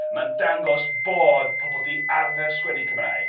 Mae'n dangos bod pobl 'di arfer sgwennu Cymraeg.